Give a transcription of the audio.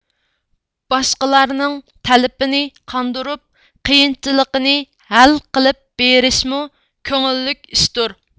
باشقىلارنىڭ تەلىپىنى قاندۇرۇپ قىيىنچىلىقىنى ھەل قىلىپ بېرىشمۇ كۆڭۈللۈك ئىشتۇر